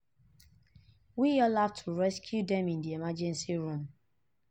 We all have to rescue them in the emergency room.